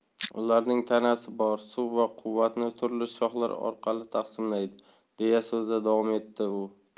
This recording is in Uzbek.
ularning tanasi bor suv va quvvatni turli shoxlar orqali taqsimlaydi deya so'zida davom etadi u